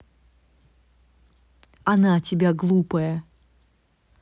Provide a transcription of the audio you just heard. она тебя глупая